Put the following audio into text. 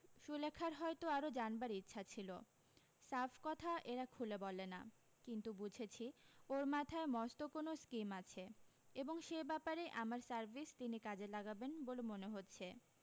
সুলেখার হয়তো আরো জানবার ইচ্ছা ছিল সাফ কথা এরা খুলে বলে না কিন্তু বুঝেছি ওর মাথায় মস্ত কোন স্কীম আছে এবং সে ব্যাপারে আমার সার্ভিস তিনি কাজে লাগাবেন বলে মনে হচ্ছে